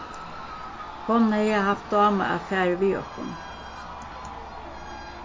honum hevði havt dámað at farið við okkum